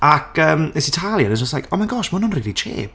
Ac yym wnes i talu, and it was just like, oh my gosh, ma' hwn yn really cheap!